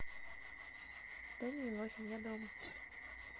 даня милохин я дома